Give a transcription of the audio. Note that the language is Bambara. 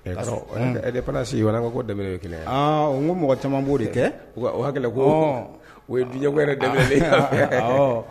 Fana sigiwa ko ko dɛ n ko mɔgɔ caman b'o de kɛ u hakili ko u ye diɲɛgo yɛrɛ dɛ